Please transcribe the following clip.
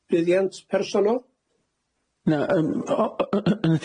Buddiant personol?